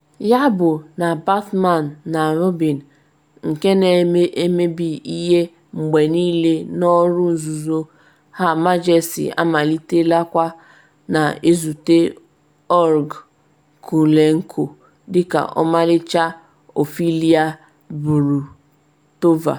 Yabụ na Batman na Robin nke na emebi ihe mgbe niile N’ọrụ Nzuzo Her Majesty amalitekwala, na-ezute Olga Kurylenko dịka ọmalicha Ophelia Bulletova.